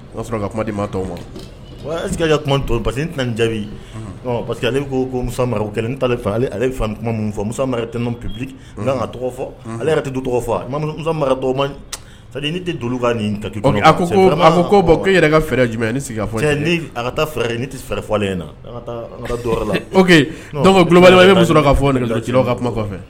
O y'a sɔrɔ ka kuma di ma tɔw ma wa ayise ka ka to pa tɛna n jaabi parce que ale ko ko ale min fɔ tɛ pbi kan ka tɔgɔ fɔ ale tɛ du tɔgɔ tɛkan nin ta ko e yɛrɛ ka fɛɛrɛ jumɛn ka fɛ ne tɛ fɛɛrɛ fɔlen na labali bɛ ka ka kuma kɔfɛ